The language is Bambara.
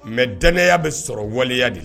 Mɛ danya bɛ sɔrɔ waleya de